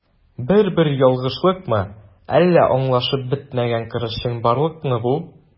Бер-бер ялгышлыкмы, әллә аңлашылып бетмәгән кырыс чынбарлыкмы бу?